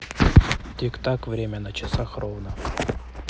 тик так время на часах ровно